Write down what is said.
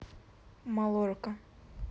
mallorca